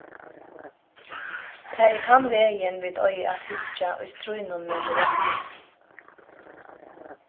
tað er tann vegin vit eiga at hyggja í stríðnum móti rottuni